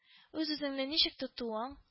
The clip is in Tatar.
Үз-үзеңне ничек тотуың